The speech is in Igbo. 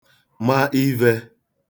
mā ivhē